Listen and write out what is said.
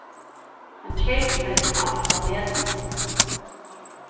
hann keypir mestsum alt á netinum